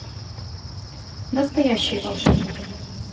настоящие волшебники